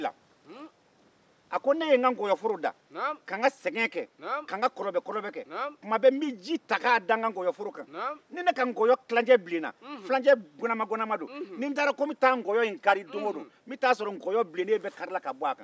ne ye n ka nkɔyɔforo da ka n ka sɛgɛn ke ka n ka kɔlɔbɛkɔlɔbe kɛ n be ji ta k'a da n ka nkɔyɔ kan ni nkɔyɔ bilenna ni ko n be taa nkɔyɔ kari n bɛ taa a sɔrɔ a bilennen bɛɛ karila ka bɔ a la